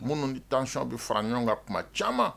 Munun ni tentions bi fara ɲɔgɔn ka tuma caman.